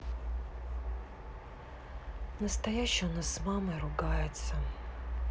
настоящий у нас с мамой ругается